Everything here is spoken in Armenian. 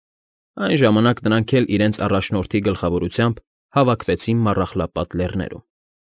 Այն ժամանակ նրանք էլ իրենց առաջնորդի գլխավորությամբ հավաքվեցին Մառախլապատ Լեռներում։